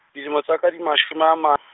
dilemo tsa ka di mashome a ma-.